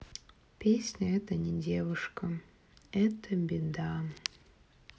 песня это не девушка это беда